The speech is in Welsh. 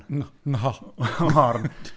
Ng- ngh-... nghorn.